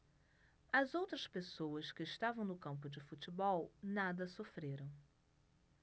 as outras pessoas que estavam no campo de futebol nada sofreram